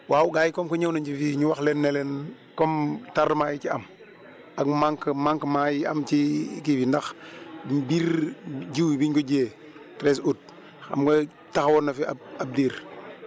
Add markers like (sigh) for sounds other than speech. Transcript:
waaw gaa yi comme que ñëw nañ si fii ñu wax leen ne leen comme tardement yi ci am ak manque manquements yi am ci kii bi ndax ñi (hesitation) jiw wi biñ ko jiwee treize août xam nga taxawoon na fi ab ab diir